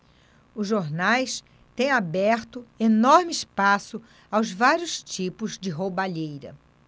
os jornais têm aberto enorme espaço aos vários tipos de roubalheira